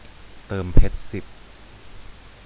เติมเพชรสิบ